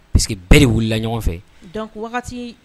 Pa que bɛɛ de wulilala ɲɔgɔn fɛ wagati